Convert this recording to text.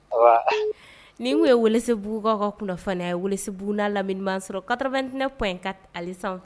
Nin ye walisibugu ka yesibuguunada lamini sɔrɔ katatinɛɛnɛ alisa